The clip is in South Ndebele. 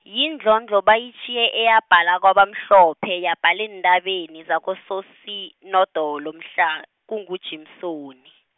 yindlondlo bayitjhiye eyabhala kwabamhlophe yabhala eentabeni zakoSoSinodolo, mhla, kunguJimsoni.